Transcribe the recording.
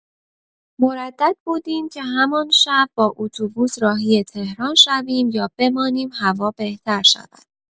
مردد بودیم که همان شب با اتوبوس راهی تهران شویم یا بمانیم هوا بهتر بشود.